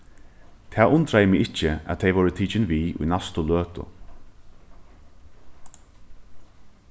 tað undraði meg ikki at tey vórðu tikin við í næstu løtu